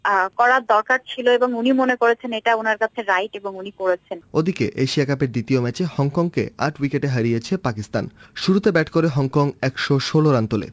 করার দরকার ছিল এবং উনি মনে করেছেন এটা ওনার কাছে রাইট এবং উনি করেছেন ওদিকে এশিয়া কাপের দ্বিতীয় ম্যাচে হংকংকে ৮ উইকেটে হারিয়েছে পাকিস্তান শুরুতে ব্যাট করে হংকং ১১৬ রান তোলে